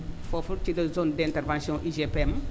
foofu ci la zone d' intervention UGPM